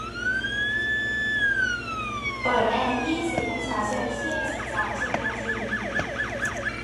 เปิดแอร์ยี่สิบองศาเซลเซียสสามสิบนาที